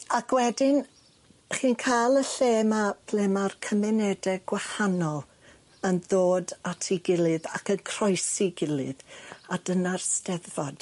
Ac wedyn chi'n ca'l y lle 'ma ble ma'r cymunede gwahanol yn ddod at 'i gilydd ac yn croesi gilydd a dyna'r Steddfod.